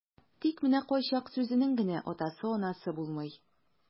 Тик менә кайчак сүзенең генә атасы-анасы булмый.